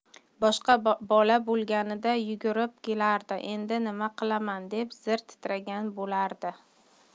boshqa bola bo'lganida yugurib kelardi endi nima qilaman deb zir titragan bo'lardi